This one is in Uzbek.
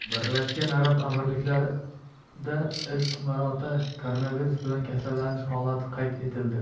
birlashgan arab amirliklarida ilk marta koronavirus bilan kasallanish holati qayd etildi